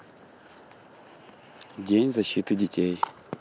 день защиты детей